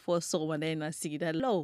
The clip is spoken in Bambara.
Fɔ sogo sɔgɔma in na sigirada la